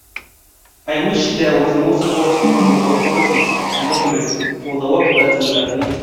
I wish there was more support from the authorities and government for the work that we are doing here.